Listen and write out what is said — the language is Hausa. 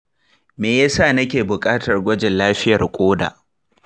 me yasa nake buƙatar gwajin lafiyar ƙoda?